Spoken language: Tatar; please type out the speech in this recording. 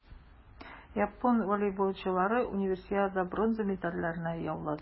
Япон волейболчылары Универсиаданың бронза медальләрен яулады.